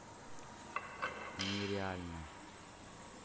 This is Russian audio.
нереально